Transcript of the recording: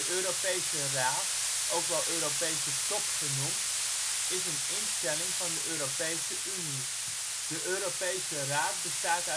Europese Raad (ook wel Europese top genoemd) is een instelling van de Europese Unie. De Europese Raad bestaat